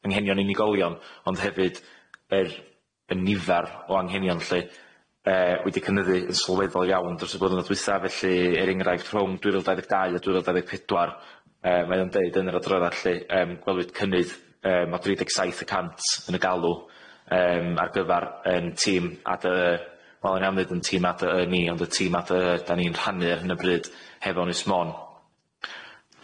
anghenion unigolion ond hefyd yr y nifer o anghenion lly yy wedi cynyddu yn sylweddol iawn dros y blynyddodd dwytha felly er enghraifft rhwng dwy fil dau ddeg dau a dwy fil dau ddeg pedwar yy mae o'n deud yn yr adroddad lly yym gwelwyd cynnydd yym o dri deg saith y cant yn y galw yym ar gyfar 'yn tîm a dy y wel o'n i am ddeud yn tîm a dy y ni ond y tîm a dy y 'dan ni'n rhannu ar hyn o bryd hefo Ynys Môn.